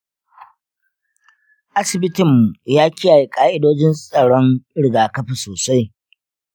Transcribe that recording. asibitinmu ya kiyaye ka’idojin tsaron rigakafi sosai.